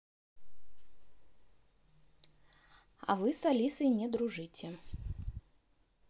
а вы с алисой не дружите